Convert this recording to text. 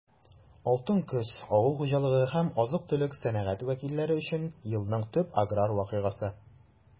«алтын көз» - авыл хуҗалыгы һәм азык-төлек сәнәгате вәкилләре өчен елның төп аграр вакыйгасы.